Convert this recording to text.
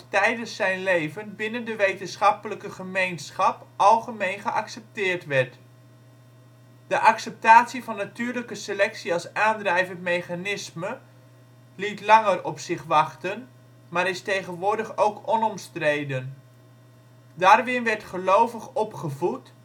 tijdens zijn leven binnen de wetenschappelijke gemeenschap algemeen geaccepteerd werd. De acceptatie van natuurlijke selectie als aandrijvend mechanisme liet langer op zich wachten, maar is tegenwoordig ook onomstreden. Darwin werd gelovig opgevoed